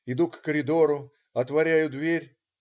Иду к коридору, отворяю дверь.